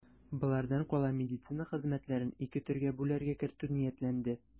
Болардан кала медицина хезмәтләрен ике төргә бүләргә кертү ниятләнде.